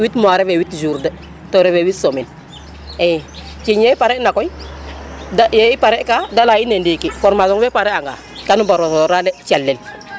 8 mois refe 8 jours de to refe 8 semaine i ce ne i pare na koy da nde ye i pare ka da leya ine ndiki formation fe pare anga kan mbaro sorale calel